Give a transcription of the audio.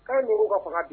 K'a ka fanga bi